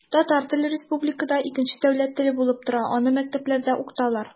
Татар теле республикада икенче дәүләт теле булып тора, аны мәктәпләрдә укыталар.